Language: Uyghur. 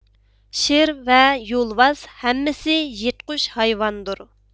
شىر ۋە يولۋاس ھەممىسى يىرتقۇچ ھايۋاندۇر